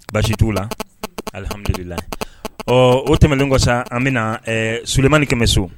Basi t'u la nsee alihamudulilahi ɔɔ o tɛmɛnen ko saa an bɛna ɛɛ Sulemani Kɛmɛso.